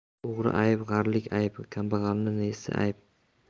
o'g'rik ayb g'arlik ayb kambag'allikning nesi ayb